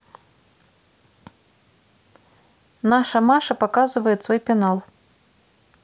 наша маша показывает свой пенал